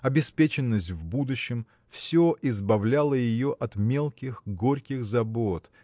обеспеченность в будущем – все избавляло ее от мелких горьких забот